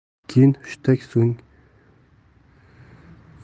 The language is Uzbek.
keyin hushtak so'ng